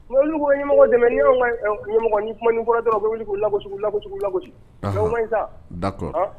Olu' ɲɛmɔgɔ dɛmɛ ni ka ɲɛmɔgɔ ni kuma ni bɔra dɛ wuli k' lakɔsiu la'u lasi